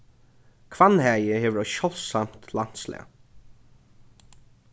hvannhagi hevur eitt sjáldsamt landslag